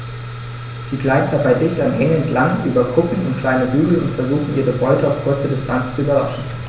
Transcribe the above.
Sie gleiten dabei dicht an Hängen entlang, über Kuppen und kleine Hügel und versuchen ihre Beute auf kurze Distanz zu überraschen.